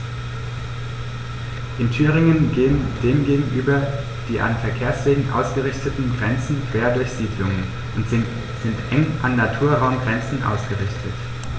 In Thüringen gehen dem gegenüber die an Verkehrswegen ausgerichteten Grenzen quer durch Siedlungen und sind eng an Naturraumgrenzen ausgerichtet.